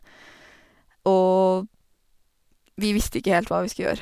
Og vi visste ikke helt hva vi skulle gjøre.